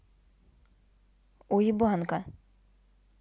уебанка